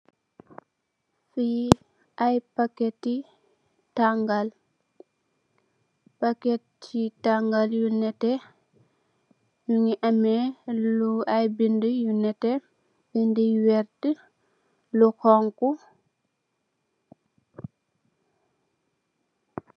Fi ay packeti tangal packeti tangal yu nete mongi ameh lu ay benda yu nete binda yu werta lu xonxu.